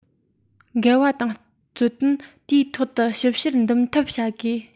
འགལ བ དང རྩོད དོན དུས ཐོག ཏུ ཞིབ བཤེར འདུམ ཐབས བྱ དགོས